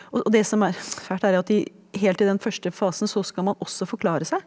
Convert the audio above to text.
og og det som er fælt er at de helt i den første fasen så skal man også forklare seg.